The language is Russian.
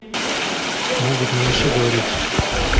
могут малыши говорить